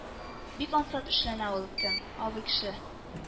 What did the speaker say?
– бик ансат эшләнә ул, кем, абый кеше